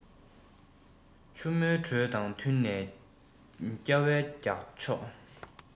ཆུ མོའི འགྲོས དང བསྟུན ནས སྐྱ བའི རྒྱག ཕྱོགས